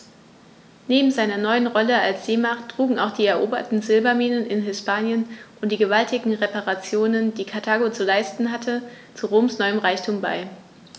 Neben seiner neuen Rolle als Seemacht trugen auch die eroberten Silberminen in Hispanien und die gewaltigen Reparationen, die Karthago zu leisten hatte, zu Roms neuem Reichtum bei.